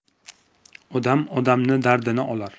odam odamning dardini olar